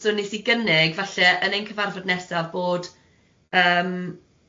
so wnes i gynnig falle yn ein cyfarfod nesaf bod yym